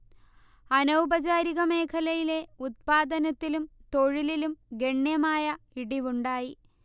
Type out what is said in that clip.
അനൗപചാരിക മേഖലയിലെ ഉത്പാദനത്തിലും തൊഴിലിലും ഗണ്യമായി ഇടിവുണ്ടായി